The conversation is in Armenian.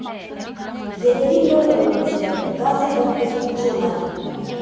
Երևի նոր են լցրել, գազը դեռ պճպճում է։